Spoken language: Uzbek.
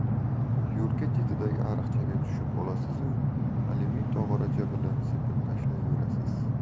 yo'lka chetidagi ariqchaga tushib olasizu alyumin tog'oracha bilan sepib tashlayverasiz